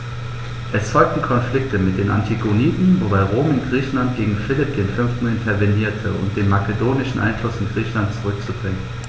Es folgten Konflikte mit den Antigoniden, wobei Rom in Griechenland gegen Philipp V. intervenierte, um den makedonischen Einfluss in Griechenland zurückzudrängen.